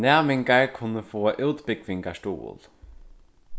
næmingar kunnu fáa útbúgvingarstuðul